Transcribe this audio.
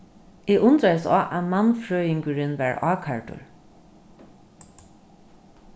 eg undraðist á at mannfrøðingurin var ákærdur